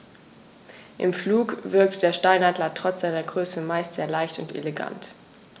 Im Flug wirkt der Steinadler trotz seiner Größe meist sehr leicht und elegant.